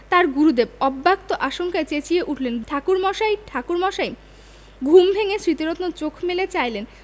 তাঁর গুরুদেব অব্যক্ত আশঙ্কায় চেঁচিয়ে উঠলেন ঠাকুরমশাই ঠাকুরমশাই ঘুম ভেঙ্গে স্মৃতিরত্ন চোখ মেলে চাইলেন